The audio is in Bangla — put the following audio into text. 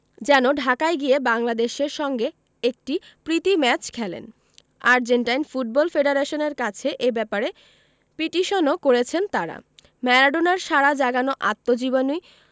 যেন ঢাকায় গিয়ে বাংলাদেশের সঙ্গে একটি প্রীতি ম্যাচ খেলেন আর্জেন্টাইন ফুটবল ফেডারেশনের কাছে এ ব্যাপারে পিটিশনও করেছেন তাঁরা ম্যারাডোনার সাড়া জাগানো আত্মজীবনী